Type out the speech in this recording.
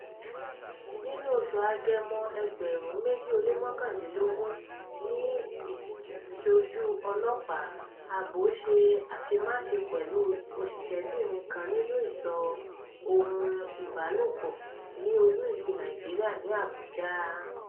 Nínú oṣù Agẹmọ 2019, ní ìṣojú ọlọ́pàá, Abbo ṣe àṣemáṣe pẹ̀lú òṣìṣẹ́bìnrin kan nínú ìsọ̀ ohun ìbálòpọ̀ ní olú-ìlú Nàìjíríà ní Abuja.